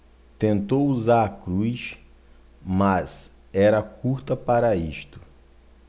tentou usar a cruz mas era curta para isto